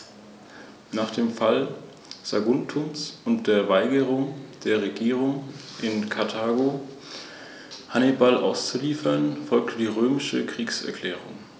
Langfristig sollen wieder jene Zustände erreicht werden, wie sie vor dem Eintreffen des Menschen vor rund 5000 Jahren überall geherrscht haben.